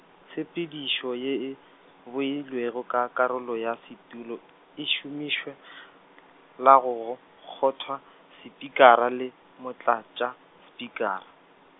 tshepedišo ye e o bo beilego ka ka karolo ya setulo, e šomišwa , la go kg- kgotha spikara le, Motlatšaspikara.